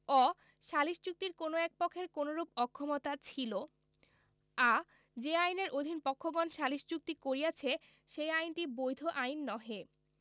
অ সালিস চুক্তির কোন এক পক্ষের কোনরূপ অক্ষমতা ছিল আ যে আইনের অধীন পক্ষগণ সালিস চুক্তি করিয়াছে সেই আইনটি বৈধ আইন নহে